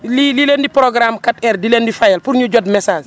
lii li leen di programme 4R di leen di fayal pour ñu jot message